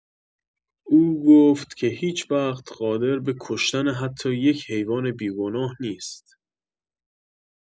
او گفت که هیچ‌وقت قادر به کشتن حتی یک حیوان بی‌گناه نیست.